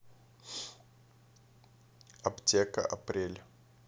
аптека апрель